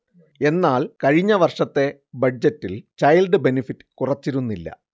എന്നാൽ കഴിഞ്ഞ വർഷത്തെ ബഡ്ജറ്റിൽ ചൈൽഡ് ബെനഫിറ്റ് കുറച്ചിരുന്നില്ല